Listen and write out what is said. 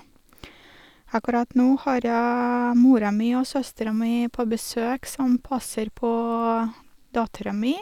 Akkurat nå har jeg mora mi og søstera mi på besøk som passer på dattera mi.